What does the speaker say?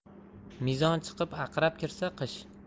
mizon chiqib aqrab kirsa qish